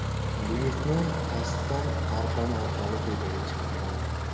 buyurtma pastdan arqon orqali tepaga chiqariladi